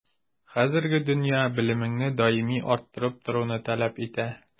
Хәзерге дөнья белемеңне даими арттырып торуны таләп итә.